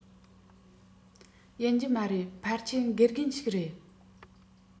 ཡིན གྱི མ རེད ཕལ ཆེར དགེ རྒན ཞིག རེད